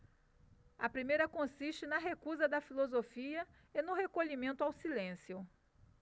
a primeira consiste na recusa da filosofia e no recolhimento ao silêncio